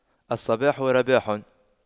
الصباح رباح